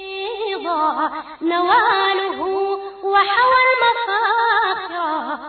Nse n wa ma